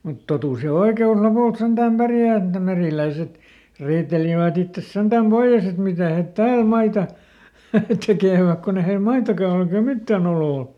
mutta totuus ja oikeus lopulta sentään pärjää että ne meriläiset riitelivät itsensä sentään pois että mitä he täällä maita tekevät kun ei heillä maitakaan ole eikä mitään oloa ole